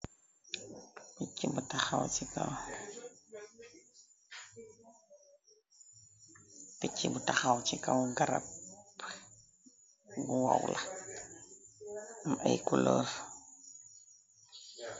Pichii bu taxaw ci kaw garab. Bu wow la, mu ay kuloof.